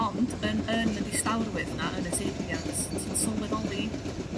Ond yn yn y distawrwydd 'na yn y seibiant ti'n sylweddoli